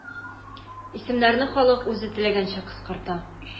Исемнәрне халык үзе теләгәнчә кыскарта.